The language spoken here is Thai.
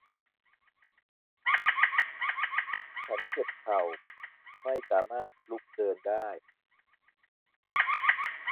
ฉันเจ็บเข่าไม่สามารถลุกเดินได้